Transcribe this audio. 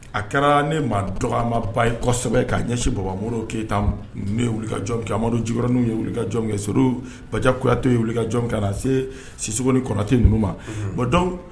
A kɛra ne maa dɔgɔmaba kɔsɛbɛ' ɲɛsin bababolo keyita wuli jɔn kɛ amadu jikrinw ye wulika jɔn kɛ s baja kuya kuyate ye wulika jɔn ka na se sisig ni kɔrɔnatɛ numu ma bɔn dɔn